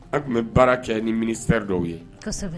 An tun bɛ baara kɛ ni minisɛri dɔw ye